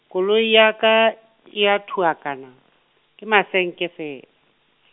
koloi yaka, e ya thuwa kana, ke masenke fee-.